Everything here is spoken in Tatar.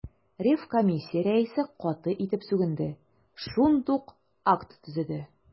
Ревкомиссия рәисе каты итеп сүгенде, шундук акт төзеде.